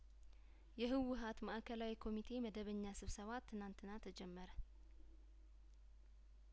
የህወሀት ማእከላዊ ኮሚቴ መደበኛ ስብሰባ ትናንትና ተጀመረ